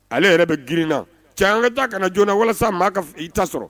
Ale yɛrɛ bɛ grinna cɛ an ka ka joonana walasa maa i ta sɔrɔ